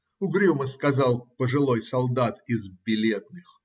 - угрюмо сказал пожилой солдат из "билетных"